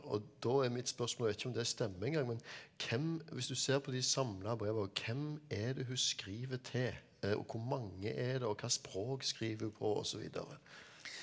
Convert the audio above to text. og da er mitt spørsmål vet ikke om det stemmer en gang men hvem hvis du ser på de samla breva, hvem er det hun skriver til og hvor mange er det og hva språk skriver hun på og så videre?